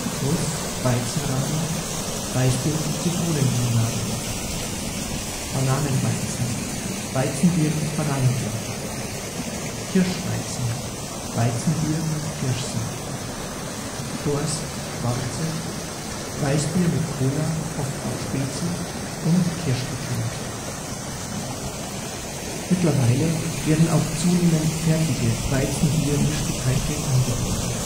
Russ, Weizenradler – Weißbier mit Zitronenlimonade Bananenweizen – Weizenbier mit Bananensaft Kirschweizen - Weizenbier mit Kirschsaft Goaß, Schwarze - Weißbier mit Cola (oft auch Spezi) und Kirschlikör Mittlerweile werden auch zunehmend fertige Weizenbiermischgetränke angeboten